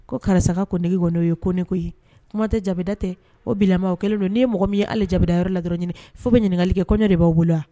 Ko karisa ko nege n'o ye ko ne koyi ye kuma tɛ jada tɛ o bila kɛlen don n' ye mɔgɔ min ye ala jaabidayɔrɔ la dɔrɔn ɲini fo bɛ ɲininkali kɛ kɔɲɔ de b'a bolo wa